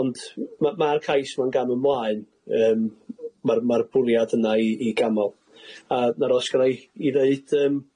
ond ma' ma'r cais ma'n gam ymlaen yym ma'r ma'r bwriad yna i i' ganmol a 'na'r oll sy' gennai'i ddeud yym,